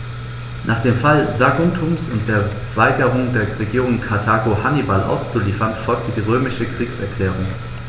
Nach dem Fall Saguntums und der Weigerung der Regierung in Karthago, Hannibal auszuliefern, folgte die römische Kriegserklärung.